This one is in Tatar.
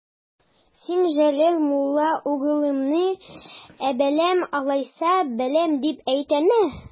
Син Җәләл мулла угълымыни, ә, беләм алайса, беләм дип әйтәме?